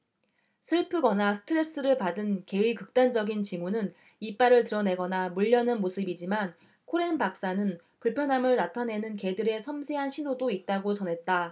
슬프거나 스트레스를 받은 개의 극단적인 징후는 이빨을 드러내거나 물려는 모습이지만 코렌 박사는 불편함을 나타내는 개들의 섬세한 신호도 있다고 전했다